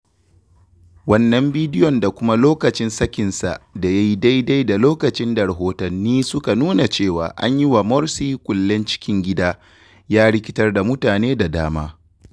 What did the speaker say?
Wannan bidiyon da kuma lokacin sakin sa da ya yi daidai da lokaci da rahotanni suka nuna cewa, an yi wa Morsi kullen cikin gida, ya rikitar da mutane da dama.